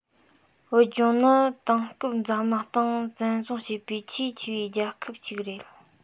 བོད ལྗོངས ནི དེང སྐབས འཛམ གླིང སྟེང བཙན བཟུང བྱེད པའི ཆེས ཆེ བའི རྒྱལ ཁབ ཅིག རེད